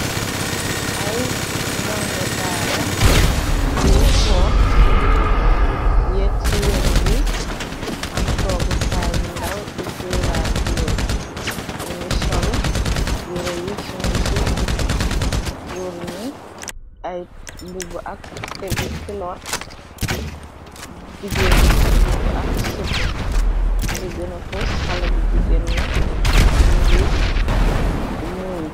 Ay ndongo daara yiy foox ci biti , yéeg ci weñ ngi am toogu kaay bu ndaw diñtilaa njool . Ni ngi sol yire yu sungu ci bukke , góor ni ay mbubu ak kilot , jigéen ñi mbubu ak sipa, yu ci gëna fës xala bi jigéen la mi ngi muuñ.